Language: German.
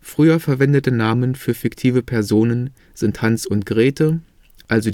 Früher verwendete Namen für fiktive Personen sind Hans und Grete